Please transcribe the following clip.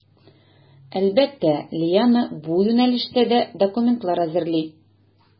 Әлбәттә, Лиана бу юнәлештә дә документлар әзерли.